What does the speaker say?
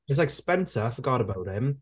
It's like Spencer, forgot about him.